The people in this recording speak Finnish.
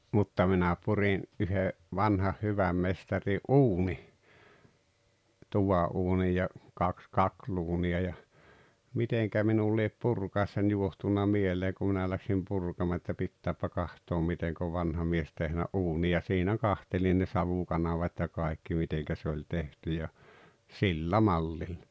mutta minä purin yhden vanhan hyvän mestarin uunin tuvanuunin ja kaksi kakluunia ja miten minulle lie purkaessaan johtunut mieleen kun minä lähdin purkamaan että pitääpä katsoa miten on vanha mies tehnyt uunin ja siinä katselin ne savukanavat ja kaikki miten se oli tehty ja sillä mallilla